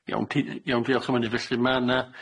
Iawn di- iawn diolch am hynny. Felly ma' 'na